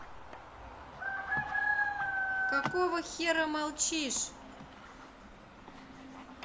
какого хера молчишь